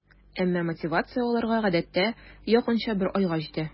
Әмма мотивация аларга гадәттә якынча бер айга җитә.